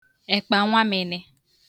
èkpànwamị̄nị̄